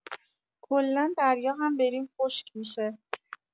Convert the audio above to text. کلا دریا هم بریم خشک می‌شه